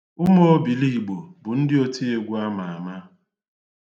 Ụmụobiligbo bụ ndị otiegwu a ma ama.